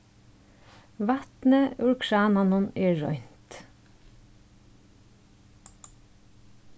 vatnið úr krananum er reint